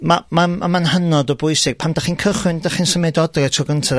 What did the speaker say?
Ma' ma'n on' ma'n hynod o bwysig pan dach chi'n cychwyn dych chi'n symud o adre tro gynta